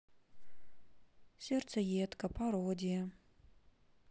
сердцеедка пародия